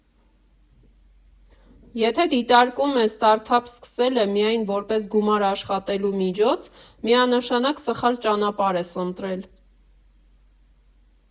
Եթե դիտարկում ես ստարտափ սկսելը միայն որպես գումար աշխատելու միջոց, միանշանակ սխալ ճանապարհ ես ընտրել։